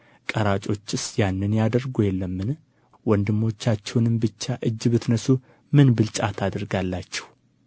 ቀራጮችስ ያንኑ ያደርጉ የለምን ወንድሞቻችሁንም ብቻ እጅ ብትነሡ ምን ብልጫ ታደርጋላችሁ